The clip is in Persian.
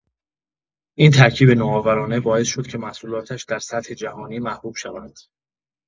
این ترکیب نوآورانه باعث شد که محصولاتش در سطح جهانی محبوب شوند.